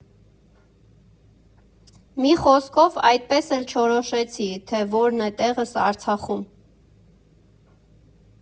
Մի խոսքով, այդպես էլ չորոշեցի, թե որն է տեղս Արցախում։